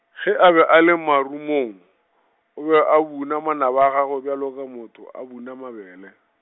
ge a be a le marumong , o be a buna manaba a gagwe bjalo ka motho a buna mabele.